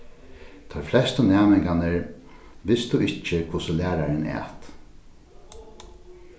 teir flestu næmingarnir vistu ikki hvussu lærarin æt